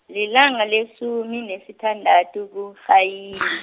lilanga lesumi nesithandathu, kuMrhayili.